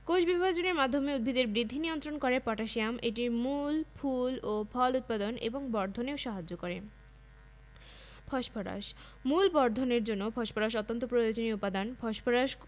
উদ্ভিদের স্বাভাবিক বৃদ্ধির জন্য যেসব উপাদান বেশি পরিমাণে দরকার হয় সেগুলোকে ম্যাক্রোনিউট্রিয়েন্ট বা ম্যাক্রোউপাদান বলা হয় ম্যাক্রোউপাদান 10টি যথা nitrogen potassium phosphorus calcium magnesium carbon hydrogen oxygen sulphur এবং লৌহ